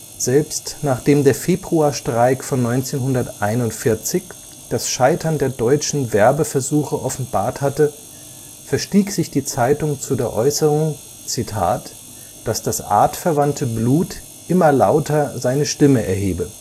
Selbst nachdem der Februarstreik von 1941 das Scheitern der deutschen Werbeversuche offenbart hatte, verstieg sich die Zeitung zu der Äußerung, „ daß das artverwandte Blut immer lauter seine Stimme “erhebe